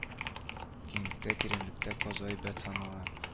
Киңлектә тирәнлектә казу әйбәт санала